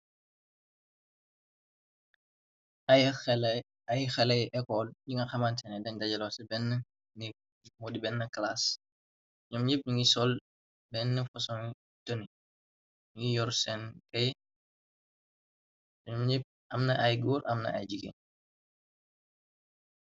Ay xalay ecol yi nga xamanteene dañ dajalo ca benn moo di benn class ñoom ñepp ñi ngi sol benn foson toni yingi yor seen key tuñuom ñipp amna ay góor amna ay jigeen.